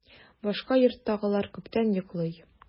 Башка йорттагылар күптән йоклый.